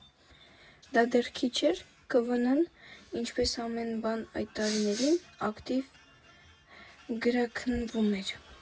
Դա դեռ քիչ էր՝ ԿՎՆ֊ն, ինչպես ամեն բան այդ տարիներին, ակտիվ գրաքննվում էր։